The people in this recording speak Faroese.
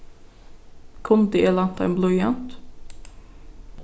kundi eg lænt ein blýant